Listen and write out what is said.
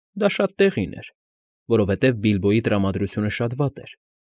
Դա շատ տեղին էր, որովհետև Բիլբոյի տրամարդությունը շատ վատ էր։